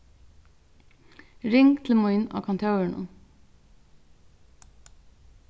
ring til mín á kontórinum